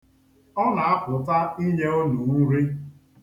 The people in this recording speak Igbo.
Ọ na-apụta inye unu nri.